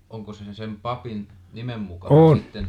- onko se sen papin nimen mukaan sitten